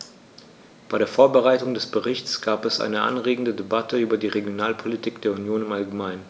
Bei der Vorbereitung des Berichts gab es eine anregende Debatte über die Regionalpolitik der Union im allgemeinen.